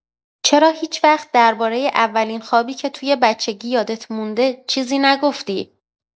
چرا هیچ‌وقت دربارۀ اولین خوابی که توی بچگی یادت مونده، چیزی نگفتی؟